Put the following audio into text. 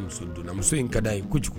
Muso donnamuso in ka da ye kojugu